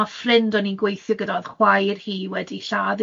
Ma' ffrind o'n i'n gweithio gyda oedd chwaer hi wedi lladd